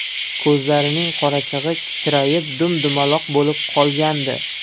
ko'zlarining qorachig'i kichrayib dum dumaloq bo'lib qolgandi